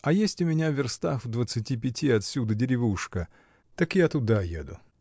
а есть у меня, верстах в двадцати пяти отсюда, деревушка так я туда еду.